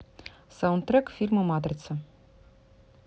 саундтрек к фильму матрица